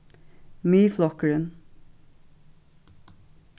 miðflokkurin